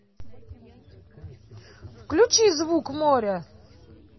включи звук моря